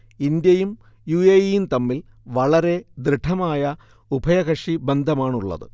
ഇന്ത്യയും U. A. ഇയും തമ്മിൽ വളരെ ദൃഢമായ ഉഭയകക്ഷി ബന്ധമാണുള്ളത്